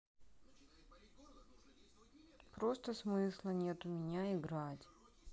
просто смысла нет у меня играть